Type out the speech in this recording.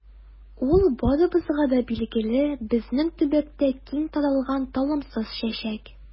Ул барыбызга да билгеле, безнең төбәктә киң таралган талымсыз чәчәк.